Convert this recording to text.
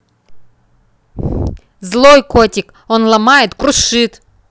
злой котик он ломает крушит